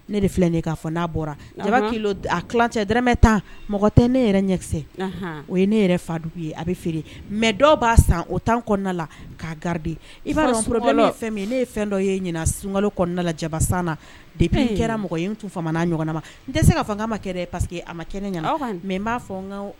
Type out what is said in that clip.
Ne mɔgɔ tɛ ne o ye ne fadugu ye a bɛ feere mɛ dɔw b'a san o tan la k'a garidi ia fɛn ne ye fɛn dɔ ye ɲin sunka kɔnɔna la jaba na de kɛra ɲɔgɔn ma n tɛ se ka fanga ma paseke a ma kɛnɛ ɲɛna mɛ b'a fɔ n